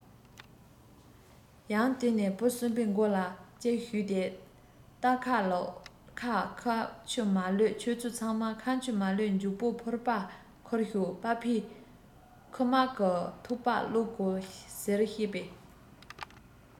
ཡང དེ ནས བུ གསུམ པའི མགོ ལ གཅིག ཞུས ཏེ རྟ ཁ ལུག ཁ ཁ ཆུ མ གློད ཁྱོད ཚོ ཚང མ ཁ ཆུ མ གློད མགྱོགས པོ ཕོར པ འཁུར ཤོག པ ཕས ཁུ མག གི ཐུག པ བླུག གོ ཟེར བཤད པས